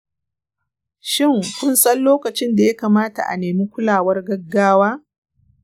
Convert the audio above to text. shin kun san lokacin da ya kamata a nemi kulawar gaggawa?